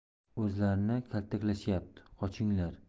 o'zlarini kaltaklashyapti qochinglar